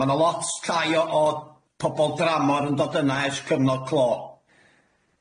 ma' na lot llai o o pobol dramor yn dod yna ers cyfnod clo,